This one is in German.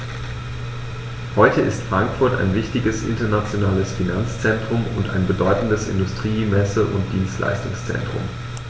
Heute ist Frankfurt ein wichtiges, internationales Finanzzentrum und ein bedeutendes Industrie-, Messe- und Dienstleistungszentrum.